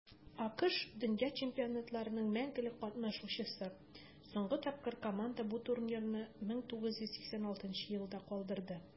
АКШ - дөнья чемпионатларының мәңгелек катнашучысы; соңгы тапкыр команда бу турнирны 1986 елда калдырды.